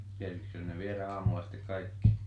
kerkisikös ne viedä aamulla sitten kaikki